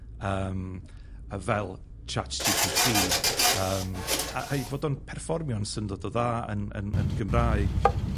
yym yy fel Chat Gee Pee Tee yym a- a'i fod o'n perfformio'n syndod o dda yn yn yn Gymraeg,